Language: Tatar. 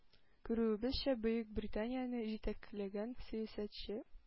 Күрүебезчә, Бөекбританияне җитәкләгән сәясәтче